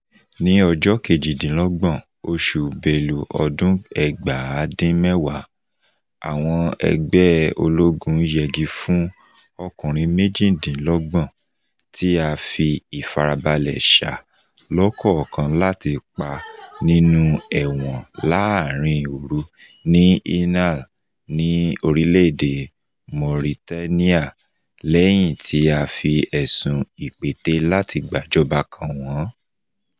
Ní ọjọ́ kejìdínlọ́gbọ̀n oṣù Belu ọdún 1990, àwọn ẹgbẹ́ ológun yẹgi fún ọkùnrin méjìdínlọ́gbọ̀n tí a fi ìfarabalẹ̀ ṣà lọ́kọ̀ọ̀kan láti pa nínú ẹ̀wọ̀n láàárín òru, ní Inal ní orílẹ̀-èdè Mauritania lẹ́yìn tí a fi ẹ̀sùn ìpète-lati-gba-ìjọba kàn wọ́n.